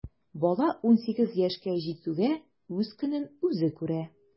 Бала унсигез яшькә җитүгә үз көнен үзе күрә.